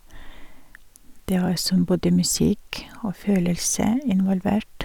Det har som både musikk og følelse involvert.